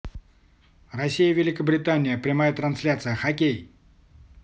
россия великобритания прямая трансляция хоккей